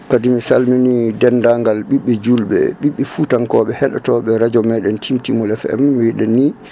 kadi mi salmini dendagal ɓiɓɓe julɓe ɓiɓɓe Foutankoɓe heɗotoɓe radio meɗen Timtimol FM mbiɗen ni